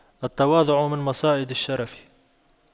التواضع من مصائد الشرف